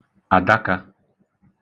àdakā